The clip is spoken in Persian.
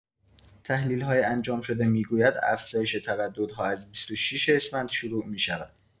تحلیل‌های انجام شده می‌گوید افزایش ترددها از ۲۶ اسفند شروع می‌شود.